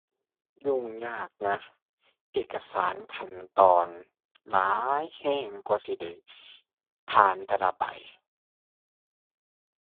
ยุ่งยากนะ เอกสารขั้นตอนหลายแรงกว่าสิได้ผ่านแต่ละใบ